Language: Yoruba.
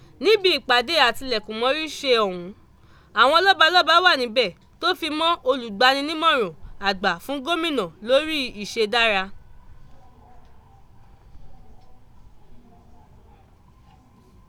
Níbi ìpàdé àtilẹ̀kùnmọ́rí ṣe ọ̀hún, àwọn lọ́ba lọ́ba wà níbẹ̀ tó fi mọ́ olùgbani nímọ̀ràn àgbà fún gómìnà lórí ìṣe dára.